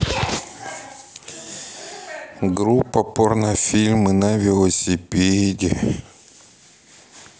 группа порнофильмы на велосипеде